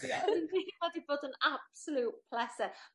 Ie o'dd o'n rili wedi bod yn absoliwt pleser.